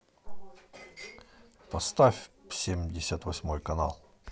поставь семьдесят восьмой канал